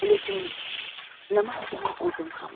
lekin nimaligini o'zim ham